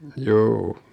juu